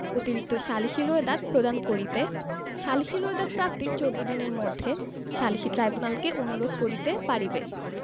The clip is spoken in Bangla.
অতিরিক্ত সালিসী রোয়েদাদ প্রদান করিতে সালিসী রোয়েদাদ প্রাপ্তির চৌদ্দ দিনের মধ্যে সালিসী ট্রাইব্যূনালকে অনুরোধ করিতে পারিবে